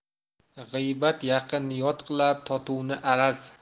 g'iybat yaqinni yot qilar totuvni araz